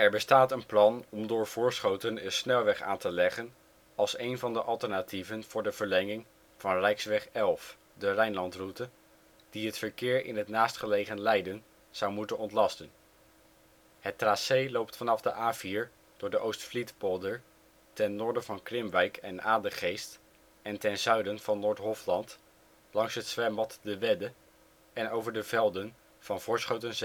bestaat een plan om door Voorschoten een snelweg aan te leggen, als een van de alternatieven voor de verlenging van Rijksweg 11 (Rijnlandroute), die het verkeer in het naastgelegen Leiden zou moeten ontlasten. Het tracé loopt vanaf de A4 door de Oostvlietpolder, ten noorden van Krimwijk en Adegeest en ten zuiden van Noord-Hofland, langs het zwembad De Wedde en over de velden van Voorschoten